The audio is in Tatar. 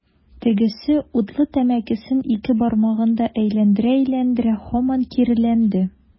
Тегесе, утлы тәмәкесен ике бармагында әйләндерә-әйләндерә, һаман киреләнде.